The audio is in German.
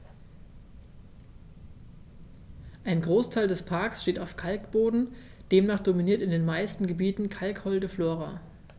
Ein Großteil des Parks steht auf Kalkboden, demnach dominiert in den meisten Gebieten kalkholde Flora.